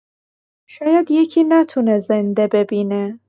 شاید یکی نتونه زنده ببینه.